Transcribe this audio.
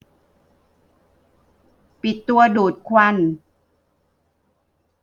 ปิดตัวดูดควัน